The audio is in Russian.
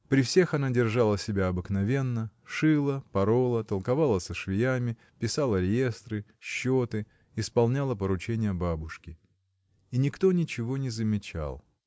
При всех она держала себя обыкновенно, шила, порола, толковала со швеями, писала реестры, счеты, исполняла поручения бабушки. И никто ничего не замечал.